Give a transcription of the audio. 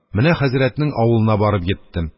Менә хәзрәтнең авылына барып йиттем.